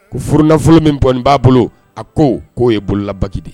Ko furufolo min bɔ n b'a bolo a ko k'o ye bololaba de ye